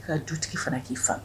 I ka dutigi fana k'i fa